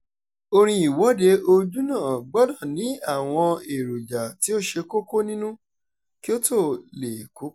Orin Ìwọ́de Ojúnà gbọdọ̀ ní àwọn èròjà tí ó ṣe kókó nínú kí ó tó lè kópa: